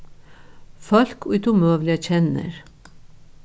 fólk ið tú møguliga kennir